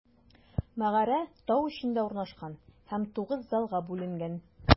Мәгарә тау эчендә урнашкан һәм тугыз залга бүленгән.